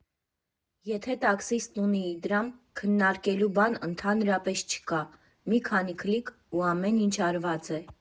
Եթե տաքսիստն ունի Իդրամ, քննարկելու բան ընդհանրապես չկա՝ մի քանի քլիք, ու ամեն ինչ արված է։